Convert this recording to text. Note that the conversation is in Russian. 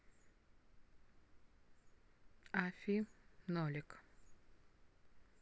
afi нолик